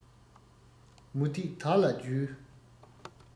མུ ཏིག དར ལ བརྒྱུས